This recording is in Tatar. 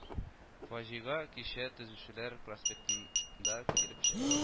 Фаҗига кичә Төзүчеләр проспектында килеп чыкты